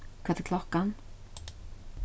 hvat er klokkan